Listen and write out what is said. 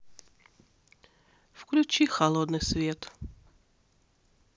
включи холодный свет